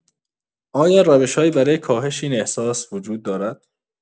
آیا روش‌هایی برای کاهش این احساس وجود دارد؟